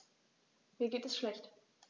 Mir geht es schlecht.